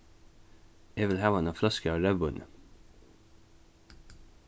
eg vil hava eina fløsku av reyðvíni